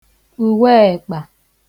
uweekpà